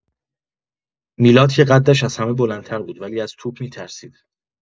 میلاد که قدش از همه بلندتر بود ولی از توپ می‌ترسید.